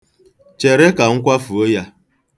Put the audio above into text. Chere ka m kwafuo ya.